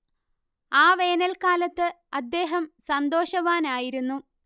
ആ വേനൽക്കാലത്ത് അദ്ദേഹം സന്തോഷവാനായിരുന്നു